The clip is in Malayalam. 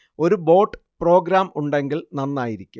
ഒരു ബോട്ട് പ്രോഗ്രാം ഉണ്ടെങ്കിൽ നന്നായിരിക്കും